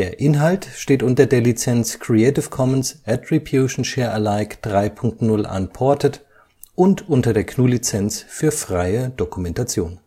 Inhalt steht unter der Lizenz Creative Commons Attribution Share Alike 3 Punkt 0 Unported und unter der GNU Lizenz für freie Dokumentation